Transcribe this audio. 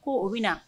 Ko o bɛ na